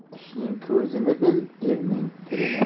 ishning ko'zini bil erning tilini